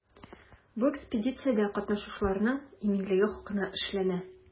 Бу экспедициядә катнашучыларның иминлеге хакына эшләнә.